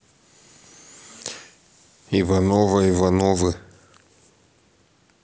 иваново ивановы